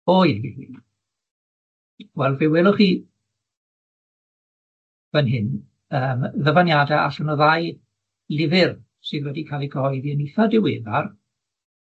O ie wel fe welwch chi fan hyn yym ddyfaniada allan o ddau lyfyr sydd wedi ca'l 'u cyhoeddi yn itha diweddar.